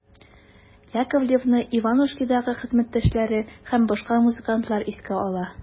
Яковлевны «Иванушки»дагы хезмәттәшләре һәм башка музыкантлар искә ала.